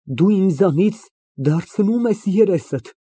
Դու ինձանից դարձնո՞ւմ ես երեսդ։